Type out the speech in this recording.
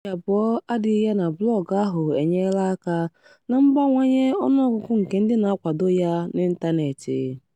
Obi abụọ adịghị ya na blọọgụ ahụ enyeela aka na mbawanye ọnụgụgụ nke ndị na-akwado ya n'ịntanetị.